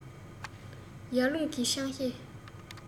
ཡར ཀླུང གིས ཆང གཞས